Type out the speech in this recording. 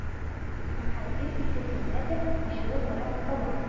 Баһадир икесенә дә ачулы карап ала.